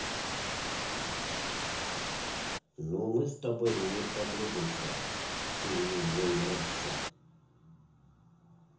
ну мы с тобой не подружимся ты мне не нравишься